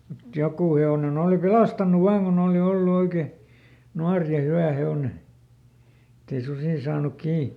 mutta joku hevonen oli pelastanut vain kun oli ollut oikein nuori ja hyvä hevonen että ei susi saanut kiinni